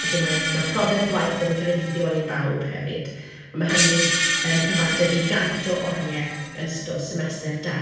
Felly mae ma' profiad gwaith yn greiddiol i bawb hefyd a ma' hynny yn cyfateb i gant o oriau yn ystod semestr dau,